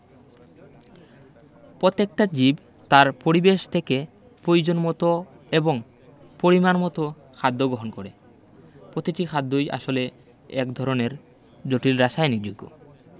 পত্যেকটা জীব তার পরিবেশ থেকে পয়োজনমতো এবং পরিমাণমতো খাদ্য গহণ করে প্রতিটি খাদ্যই আসলে এক ধরনের জটিল রাসায়নিক যৌগ